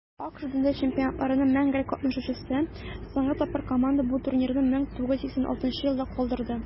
АКШ - дөнья чемпионатларының мәңгелек катнашучысы; соңгы тапкыр команда бу турнирны 1986 елда калдырды.